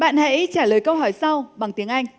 bạn hãy trả lời câu hỏi sau bằng tiếng anh